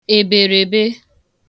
èbèrèbe